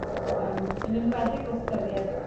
yym yn enwedig o ystyried